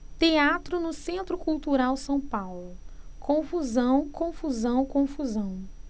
teatro no centro cultural são paulo confusão confusão confusão